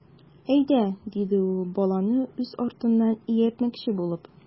Әйдә,— диде ул, баланы үз артыннан ияртмөкче булып.